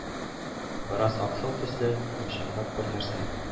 Бераз аксыл төсле, йомшаграк бер нәрсә